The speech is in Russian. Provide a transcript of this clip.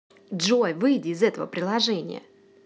джой выйди из этого приложения